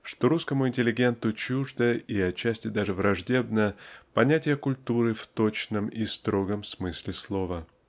что русскому интеллигенту чуждо и отчасти даже враждебно понятие культуры в точном и строгом смысле слова.